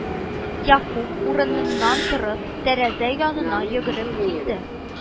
Якуб, урыныннан торып, тәрәзә янына йөгереп килде